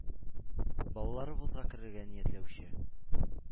Балалары вузга керергә ниятләүче